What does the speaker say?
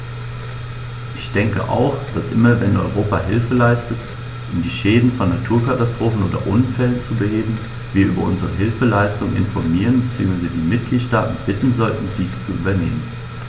Ich denke auch, dass immer wenn Europa Hilfe leistet, um die Schäden von Naturkatastrophen oder Unfällen zu beheben, wir über unsere Hilfsleistungen informieren bzw. die Mitgliedstaaten bitten sollten, dies zu übernehmen.